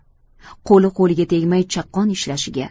qo'li qo'liga tegmay chaqqon ishlashiga